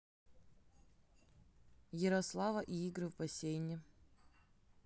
ярослава и игры в бассейне